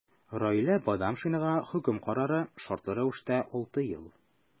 Раилә Бадамшинага хөкем карары – шартлы рәвештә 6 ел.